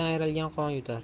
eldan ayrilgan qon yutar